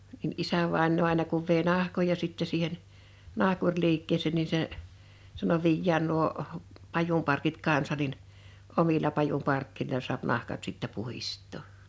niin isävainaa aina kun vei nahkoja sitten siihen nahkuriliikkeeseen niin se sanoi viedään nuo pajunparkit kanssa niin omilla pajunparkeilla saa nahkat sitten puhdistaa